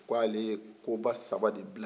ko ale ye koba saba de bila yen